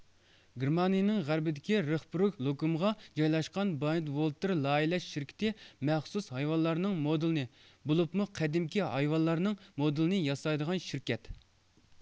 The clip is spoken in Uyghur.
گېرمانىيىنىڭ غەربىدىكى رېخبۇرگ لوككۇمغا جايلاشقان بايند ۋولتىر لايىھىلەش شىركىتى مەخسۇس ھايۋانلارنىڭ مودېلىنى بولۇپمۇ قەدىمكى ھايۋانلارنىڭ مودېلىنى ياسايدىغان شىركەت